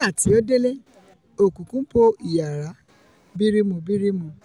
Nígbà tí ó délé, òkùnkùn bo iyàrá birimùbirimù.